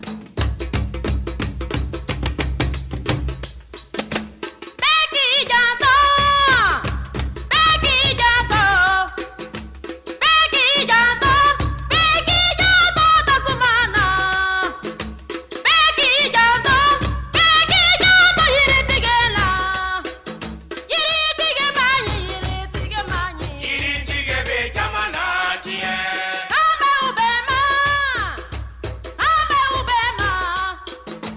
M ja maa ja m ja ja tasumatan m ja bɛ jiritigi la jtigitigi ma nk jɛgɛ bɛ ja la diɲɛ faama bɛ taa faama bɛ kun bɛ la